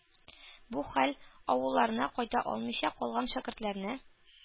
Бу хәл авылларына кайта алмыйча калган шәкертләрне